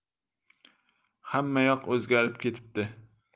hammayoq o'zgarib ketibdi